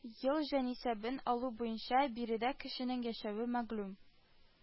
Ел җанисәбен алу буенча биредә кешенең яшәве мәгълүм